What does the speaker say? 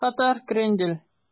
Хәтәр крендель